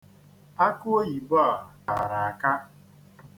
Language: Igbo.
Akụ oyibo a kara aka.